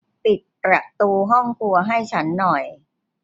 ปิดประตูห้องครัวให้ฉันหน่อย